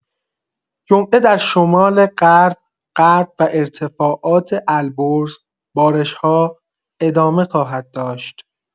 جمعه در شمال غرب، غرب و ارتفاعات البرز بارش‌ها ادامه خواهد داشت.